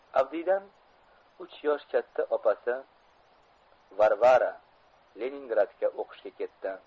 avdiydan uch yosh katta opasi varvara leningradga o'qishga ketdi